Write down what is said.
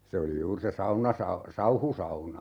se oli juuri se - sauhusauna